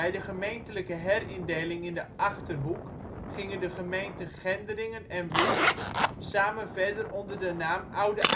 de gemeentelijke herindeling in de Achterhoek gingen de gemeenten Gendringen en Wisch samen verder onder de naam Oude